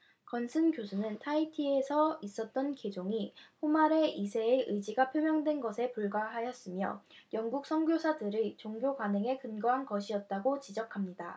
건슨 교수는 타히티에서 있었던 개종이 포마레 이 세의 의지가 표명된 것에 불과하였으며 영국 선교사들의 종교 관행에 근거한 것이었다고 지적합니다